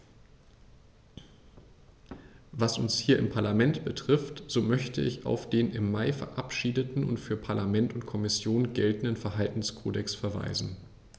Was uns hier im Parlament betrifft, so möchte ich auf den im Mai verabschiedeten und für Parlament und Kommission geltenden Verhaltenskodex verweisen.